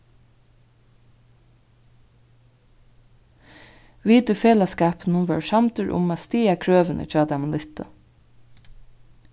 vit í felagsskapinum vóru samdir um at styðja krøvini hjá teimum littu